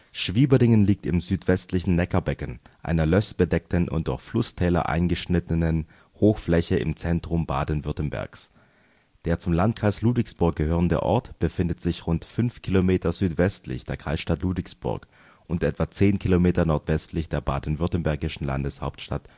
Schwieberdingen liegt im südwestlichen Neckarbecken, einer lößbedeckten und durch Flusstäler eingeschnittenen Hochfläche im Zentrum Baden-Württembergs. Der zum Landkreis Ludwigsburg gehörende Ort befindet sich rund 5 km südwestlich der Kreisstadt Ludwigsburg, und etwa 10 km nordwestlich der baden-württembergischen Landeshauptstadt